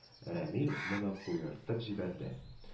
Рәмил моны куертып җибәрде